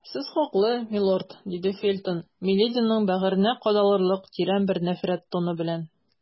Сез хаклы, милорд, - диде Фельтон милединың бәгыренә кадалырлык тирән бер нәфрәт тоны белән.